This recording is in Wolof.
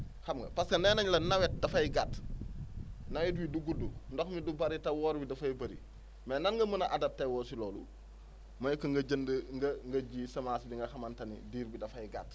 xam nga parce que nee nañ la nawet dafay gàtt nawet yi du gudd ndox mi du bëri te wor yi dafay bëri mais nan nga mën a adapté wu si loolu mooy que nga jënd nga nga jiw semence bi nga xamante ni diir bi dafay gàtt